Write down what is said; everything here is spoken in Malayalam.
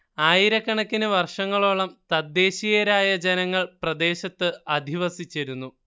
ആയിരക്കണക്കിന് വർഷങ്ങളോളം തദ്ദേശീയരായ ജനങ്ങൾ പ്രദേശത്ത് അധിവസിച്ചിരുന്നു